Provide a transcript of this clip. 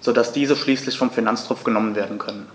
so dass diese schließlich vom Finanztropf genommen werden können.